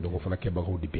Dɔgɔ fanakɛbagaw de bɛɛ